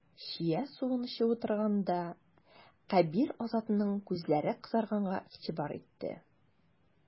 Чия суын эчеп утырганда, Кәбир Азатның күзләре кызарганга игътибар итте.